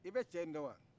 i bɛ cɛ in dɔn wa